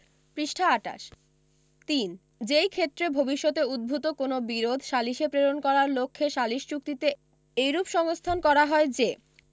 পৃষ্টা ২৮ ৩ যেইক্ষেত্রে ভবিষ্যতে উদ্ভুত কোন বিরোধ সালিসে প্রেরণ করার লক্ষ্যে সালিস চুক্তিতে এইরূপ সংস্থান করা হয় যে